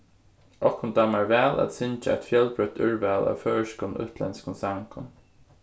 okkum dámar væl at syngja eitt fjølbroytt úrval av føroyskum og útlendskum sangum